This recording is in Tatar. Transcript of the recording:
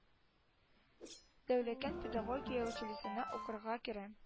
Дәүләкән педагогия училищесына укырга керә